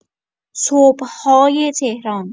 صبح‌های تهران